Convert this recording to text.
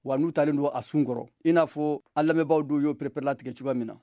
wa u talen don a sunkɔrɔ inafɔ an lamɛnbaaw tun y'o pereperelatigɛ cogoya min na